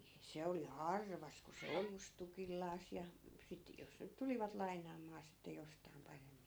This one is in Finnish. se oli harvassa kun se ojusi tukillaan ja sitten jos nyt tulivat lainaamaan sitten jostakin paremmin